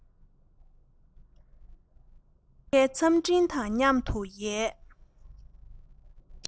ནུབ ཁའི མཚམས སྤྲིན དང མཉམ དུ ཡལ